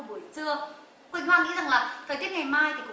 buổi trưa quỳnh hoa nghĩ rằng là thời tiết ngày mai